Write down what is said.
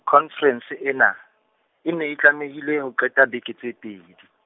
khonferense ena, e ne e tlamehile ho qeta beke tse pedi.